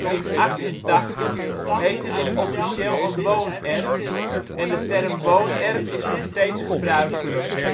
1988 heette dit officieel een woonerf, en de term woonerf is nog steeds gebruikelijk